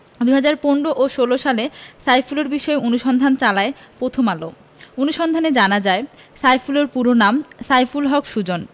২০১৫ ও ২০১৬ সালে সাইফুলের বিষয়ে অনুসন্ধান চালায় প্রথম আলো অনুসন্ধানে জানা যায় সাইফুলের পুরো নাম সাইফুল হক সুজন